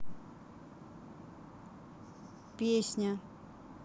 песня